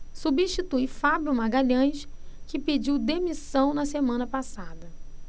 substitui fábio magalhães que pediu demissão na semana passada